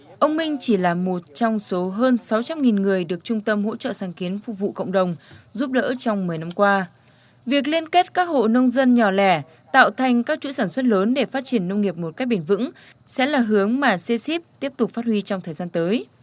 ông minh chỉ là một trong số hơn sáu trăm nghìn người được trung tâm hỗ trợ sáng kiến phục vụ cộng đồng giúp đỡ trong mười năm qua việc liên kết các hộ nông dân nhỏ lẻ tạo thành các chuỗi sản xuất lớn để phát triển nông nghiệp một cách bền vững sẽ là hướng mà xê xíp tiếp tục phát huy trong thời gian tới